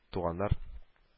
Туганнар